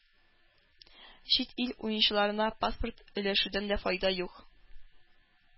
Чит ил уенчыларына паспорт өләшүдән дә файда юк.